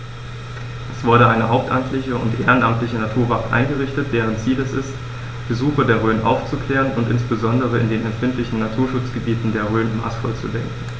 Es wurde eine hauptamtliche und ehrenamtliche Naturwacht eingerichtet, deren Ziel es ist, Besucher der Rhön aufzuklären und insbesondere in den empfindlichen Naturschutzgebieten der Rhön maßvoll zu lenken.